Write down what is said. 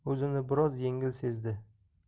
tegib o'zini bir oz yengil sezdi